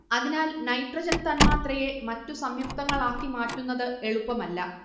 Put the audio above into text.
അതിനാൽ നൈട്രജൻ തന്മാത്രയെ മറ്റു സംയുക്തങ്ങളാക്കി മാറ്റുന്നത് എളുപ്പമല്ല